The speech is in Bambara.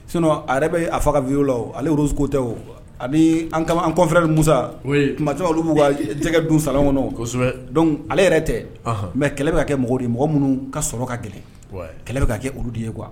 Sinɔn a yɛrɛ bɛ a fɔ a ka video la ale Rose ko tɛ, ani an ka confrère Musa oui, kuma caaman olu b'u ka jɛgɛ dun salon kɔnɔ, kosɛbɛ, doncale yɛrɛ tɛ, ɔnhɔn mais kɛlɛ bɛ ka kɛ mɔgɔ de ye, mɔgɔ minnu ka sɔrɔ ka gɛlɛn , kɛlɛ bɛ ka kɛ olu de ye quio